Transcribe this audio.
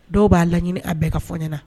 Dɔw b'a laɲini a bɛɛ ka fɔ n ɲɛna na